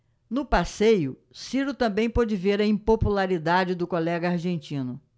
no passeio ciro também pôde ver a impopularidade do colega argentino